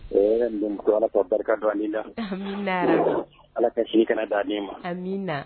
Ɛɛ mɛ ala fɔ barika dɔɔnin da ami ala ka se kana na di ma